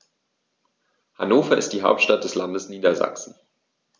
Hannover ist die Hauptstadt des Landes Niedersachsen.